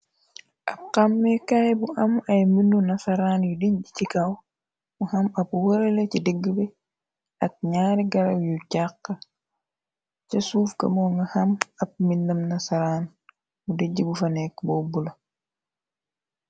Ab xammekaay bu am ay mbindu nasaraan yu dijj ci kaw, mu ham ab warale ci digg be, ak ñaari garaw yu càq, ca suuf ga moo nga ham ab mbindam nasaraan bu dijj bu fa nekk bu bula.